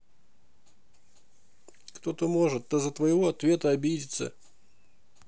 кто то может да за твоего ответа обидеться